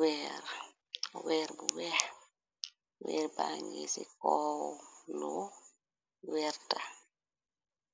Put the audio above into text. Weer, weer bu weex, weer bàngi ci kaw lu weerta,